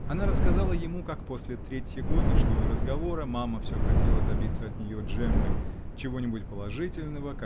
Она рассказала ему, как, после третьегодняшнего разговора мама все хотела добиться от нее, Джеммы, чего-нибудь положительного